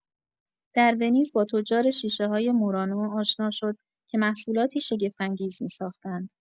در ونیز، با تجار شیشه‌های مورانو آشنا شد که محصولاتی شگفت‌انگیز می‌ساختند.